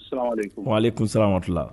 Ale kun siranmati